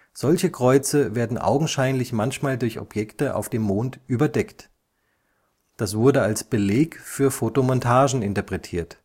Solche Kreuze werden augenscheinlich manchmal durch Objekte auf dem Mond überdeckt. Das wurde als Beleg für Fotomontagen interpretiert